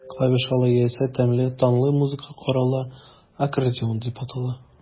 Клавишалы, яисә төймәле тынлы музыка коралы аккордеон дип атала.